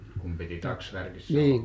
kun piti taksvärkissä olla